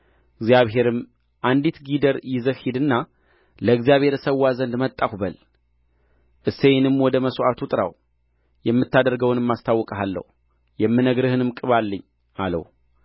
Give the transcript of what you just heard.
እግዚአብሔርም አንዲት ጊደር ይዘህ ሂድና ለእግዚአብሔር እሠዋ ዘንድ መጣሁ በል እሴይንም ወደ መሥዋዕቱ ጥራው የምታደርገውንም አስታውቅሃለሁ የምነግርህንም ቅባልኝ አለው